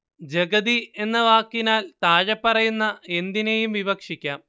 ജഗതി എന്ന വാക്കിനാൽ താഴെപ്പറയുന്ന എന്തിനേയും വിവക്ഷിക്കാം